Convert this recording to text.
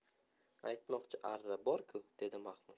aytmoqchi arra bor ku dedi mahmud